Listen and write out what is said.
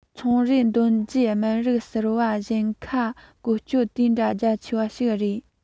ཚོང རར འདོན རྒྱུའི སྨན རིགས གསར པར གཞན འགའ བཀོལ སྤྱོད དེ འདྲ རྒྱ ཆེ བ ཞིག རེད